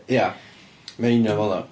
Ia, mae o union fel 'na.